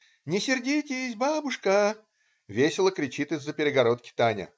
"Не сердитесь, бабушка!" - весело кричит из-за перегородки Таня.